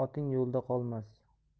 oting yo'lda qolmas